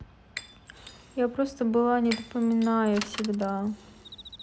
я просто была не допомина я всегда